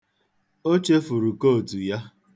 O chefuru kootu ya.